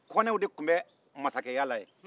kɔnɛw de tun bɛ masakɛya la yen